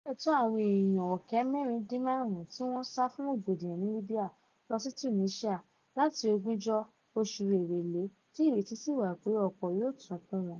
Ó fẹ́rẹ̀ tó àwọn èèyàn 75,000 ni wọ́n sá fún rògbòdìyàn ní Libya lọ sí Tunisia, láti ọjọ́ 20 oṣù Èrèlé, tí ìrètí sì wà pé ọ̀pọ̀ yóò tún kún wọn.